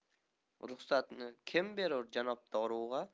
ruxsatni kim berur janob dorug'a